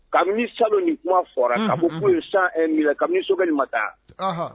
Kabinimi sa nin kuma fɔra ka bɛ foyi ye san minɛ kabinimi sokɛ nin ma taa